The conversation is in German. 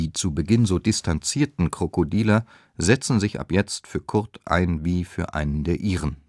zu Beginn so distanzierten Krokodiler setzen sich ab jetzt für Kurt ein wie für einen der ihren